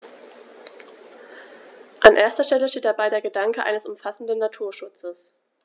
An erster Stelle steht dabei der Gedanke eines umfassenden Naturschutzes.